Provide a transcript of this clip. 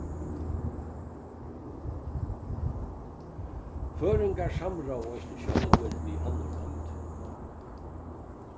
føroyingar samráða eisini sjálvir við onnur lond